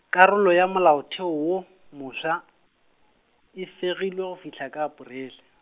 karolo ya molaotheo wo, mofsa, e fegilwe go fihla ka Aparele.